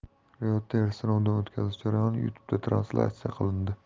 reuterssinovdan o'tkazish jarayoni youtube'da translyatsiya qilindi